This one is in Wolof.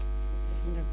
d' accord